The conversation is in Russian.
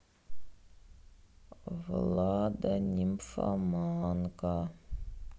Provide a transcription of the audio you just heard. влада нимфоманка